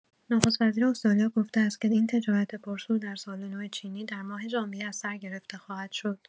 نخست‌وزیر استرالیا گفته است که این تجارت پرسود در سال‌نو چینی در ماه ژانویه از سر گرفته خواهد شد.